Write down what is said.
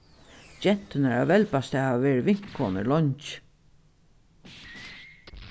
genturnar á velbastað hava verið vinkonur leingi